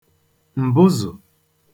m̀bụzụ̀